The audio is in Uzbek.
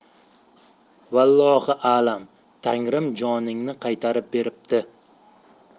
vallohi a'lam tangrim joningni qaytarib beribdi